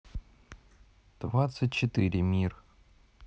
двадцать четыре мир